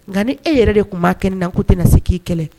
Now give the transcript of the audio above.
Nka ni e yɛrɛ de tun b'a kɛnɛ na ko tɛna se k'i kɛlɛ